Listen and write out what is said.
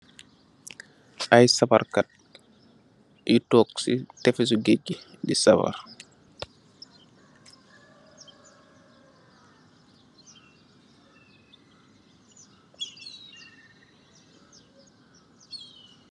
Ay sabarr kat yu tóóg ci tefessu gaaj gi di sabarr.